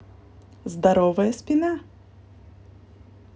здоровая спина